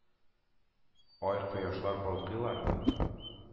Ай, кояшлар балкыйлар?